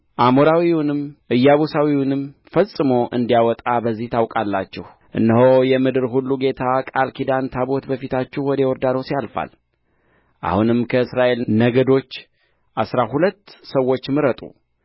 አሞራዊውንም ኢያቡሳዊውንም ፈጽሞ እንዲያወጣ በዚህ ታውቃላችሁ እነሆ የምድር ሁሉ ጌታ ቃል ኪዳን ታቦት በፊታችሁ ወደ ዮርዳኖስ ያልፋል አሁንም ከእስራኤል ነገዶች አሥራ ሁለት ሰዎች ምረጡ